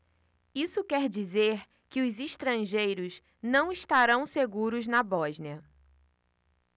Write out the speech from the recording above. isso quer dizer que os estrangeiros não estarão seguros na bósnia